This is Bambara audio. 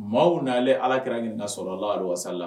Maaw n'ale ala kɛra' nasɔrɔ lasala